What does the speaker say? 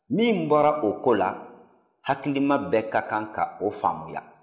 min bɔra o ko la hakilima bɛɛ ka kan ka o faamuya